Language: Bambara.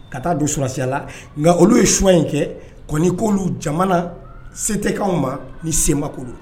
Ka taa don susiya la nka olu ye su in kɛ kɔni koolu jamana se tɛ ma ni senbakolo